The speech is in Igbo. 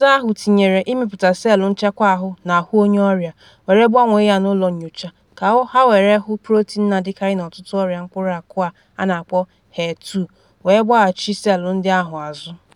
Ụzọ ahụ tinyere ịmịpụta selụ nchekwa ahụ n’ahụ onye ọrịa, were gbanwee ya n’ụlọ nyocha ka ha were ‘hụ’ protin na-adịkarị n’ọtụtụ ọrịa mkpụrụ akụ a na-akpọ HER2, wee gbaghachi selụ ndị ahụ azụ.